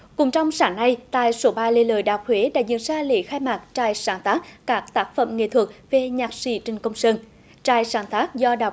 cũng trong sáng nay tại số ba lê lợi đại học huế đã diễn ra lễ khai mạc trại sáng tác các tác phẩm nghệ thuật về nhạc sĩ trịnh công sơn trại sáng tác do đại